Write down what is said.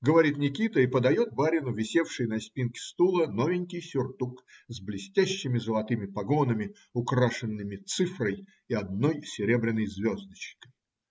говорит Никита и подает барину висевший на спинке стула новенький сюртук с блестящими золотыми погонами, украшенными цифрой и одной серебряной звездочкой.